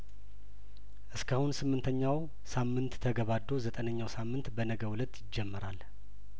እስካሁን ስምንተኛው ሳምንት ተገባዶ ዘጠነኛው ሳምንት በነገው እለት ይጀመራል